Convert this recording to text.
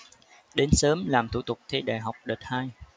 đến sớm làm thủ tục thi đại học đợt hai